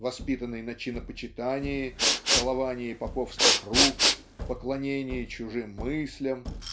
воспитанный на чинопочитании целовании поповских рук поклонении чужим мыслям